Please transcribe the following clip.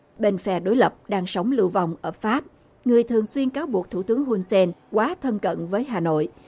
bên phe đối lập đang sống lưu vong ở pháp người thường xuyên cáo buộc thủ tướng hun sên quá thân cận với hà nội